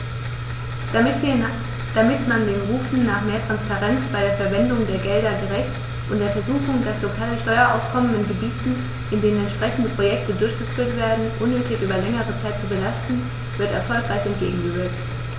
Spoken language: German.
Damit wird man den Rufen nach mehr Transparenz bei der Verwendung der Gelder gerecht, und der Versuchung, das lokale Steueraufkommen in Gebieten, in denen entsprechende Projekte durchgeführt werden, unnötig über längere Zeit zu belasten, wird erfolgreich entgegengewirkt.